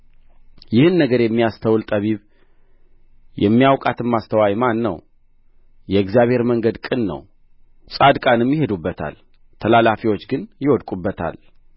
ይህን ነገር የሚያስተውል ጠቢብ የሚያውቃትም አስተዋይ ማን ነው የእግዚአብሔር መንገድ ቅን ነው ጻድቃንም ይሄዱበታል ተላላፊዎች ግን ይወድቁበታል